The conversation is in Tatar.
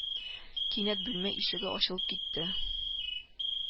Кинәт бүлмә ишеге ачылып китте